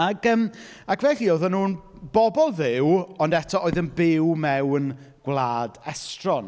Ac yym, ac felly, oedden nhw'n bobl Dduw, ond eto oedd yn byw mewn gwlad estron.